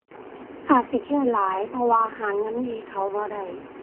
อาจสิเครียดหลายเพราะว่าหาเงินให้เขาบ่ได้